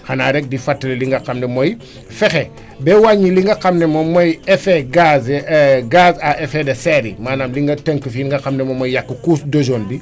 xanaa rek di fàttali li nga xam ne mooy fexe ba wàñéni li nga xam ne moom mooy effet gaz agz à effet de serre yi maanaam li nga tënk fi nga xam ne mooy yàq couche d' ozone bi